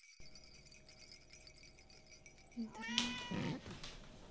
интернета нету